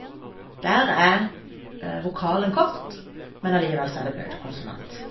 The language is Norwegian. Der er vokalen kort, men allikevel så er det blaut konsonant.